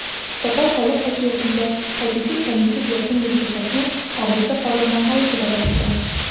Татар халык әкиятендә әтисез-әнисез ятим Гөлчәчәкне абыйсы карурманга илтеп адаштыра.